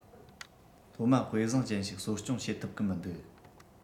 སློབ མ དཔེ བཟང ཅན ཞིག གསོ སྐྱོངས བྱེད ཐུབ གི མི འདུག